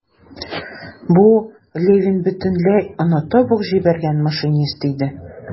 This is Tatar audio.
Бу - Левин бөтенләй онытып ук җибәргән машинист иде.